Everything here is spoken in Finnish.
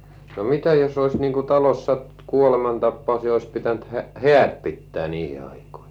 no mitä jos oli talossa niin kuin kuolemantapaus ja olisi pitänyt häät pitää niihin aikoihin